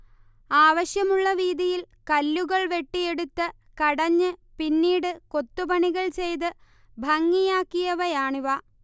ആവശ്യമുള്ള വീതിയിൽ കല്ലുകൾ വെട്ടിയെടുത്ത് കടഞ്ഞ് പിന്നീട് കൊത്തുപണികൾ ചെയ്ത് ഭംഗിയാക്കിയവയാണിവ